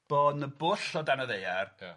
bod 'na bwll o dan y ddaear. Ia.